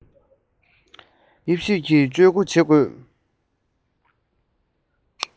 དབྱེ ཞིག ཀྱི དཔྱོད སྒོ འབྱེད དགོས